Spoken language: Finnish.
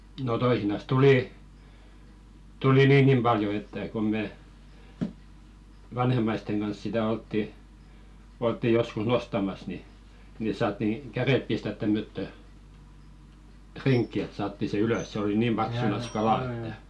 no toisinaan tuli tuli niinkin paljon että kun me vanhemmaisten kanssa sitä oltiin oltiin joskus nostamassa niin niin saatiin kädet pistää tämmöttöön rinkiin että saatiin se ylös se oli niin paksunansa kalaa että